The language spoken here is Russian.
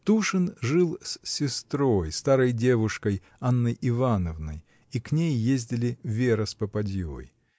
Тушин жил с сестрой, старой девушкой, Анной Ивановной — и к ней ездили Вера с попадьей.